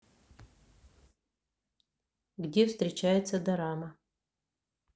где встречается дорама